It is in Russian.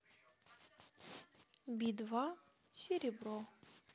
би два серебро